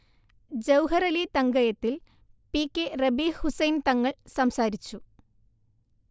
ജൗഹറലി തങ്കയത്തിൽ, P K Rabeeh Hussain Thangal സംസാരിച്ചു